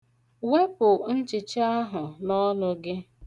Wepu nchicha ahụ n'ọnụ gị.